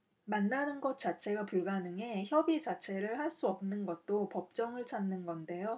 만나는 것 자체가 불가능해 협의 자체를 할 수 없는 것도 법정을 찾는 건데요